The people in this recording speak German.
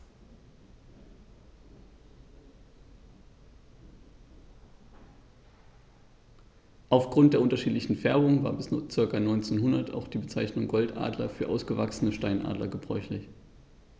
Auf Grund der unterschiedlichen Färbung war bis ca. 1900 auch die Bezeichnung Goldadler für ausgewachsene Steinadler gebräuchlich.